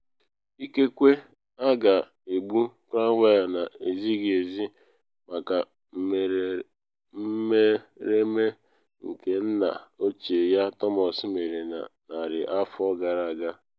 Ikekwe a ga-egbu Cromwell na ezighi ezi maka mmereme nke nna ochie ya Thomas mere na narị afọ gara aga.